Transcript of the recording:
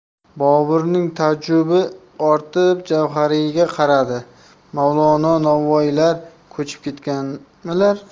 boburning taajjubi ortib javhariyga qaradi mavlono novvoylar ko'chib ketganmilar